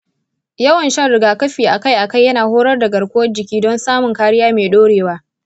yawan shan rigakafi akai-akai yana horar da garkuwar jiki don samun kariya mai dorewa.